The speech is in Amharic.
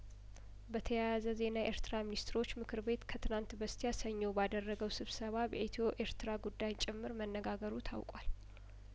በተያያዘ ዜና የኤርትራ ሚኒስትሮች ምክር ቤት ከትናንት በስቲያ ሰኞ ባደረገው ስብሰባ በኢትዮ ኤርትራ ጉዳይ ጭምር መነጋገሩ ታውቋል